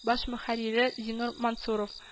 Баш мөхәррире зиннур мансуров